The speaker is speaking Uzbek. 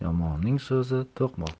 yomonning so'zi to'qmoq